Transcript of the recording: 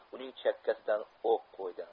uning chakkasidan o'q qo'ydi